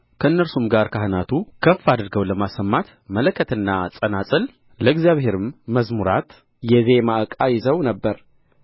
ከእነርሱም ጋር ካህናቱ ከፍ አድርገው ለማሰማት መለከትና ጸናጽል ለእግዚአብሔርም መዝሙራት የዜማ ዕቃ ይዘው ነበር